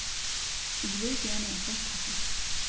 Ich will gerne etwas kochen.